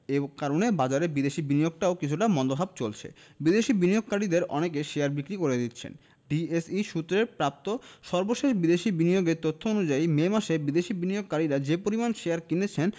এ কারণে বাজারে বিদেশি বিনিয়োগেও কিছুটা মন্দাভাব চলছে বিদেশি বিনিয়োগকারীদের অনেকে শেয়ার বিক্রি করে দিচ্ছেন ডিএসই সূত্রে প্রাপ্ত সর্বশেষ বিদেশি বিনিয়োগের তথ্য অনুযায়ী মে মাসে বিদেশি বিনিয়োগকারীরা যে পরিমাণ শেয়ার কিনেছেন